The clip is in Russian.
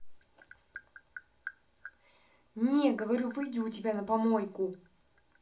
не говорю выйди у тебя на помойку